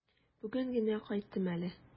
Бүген генә кайттым әле.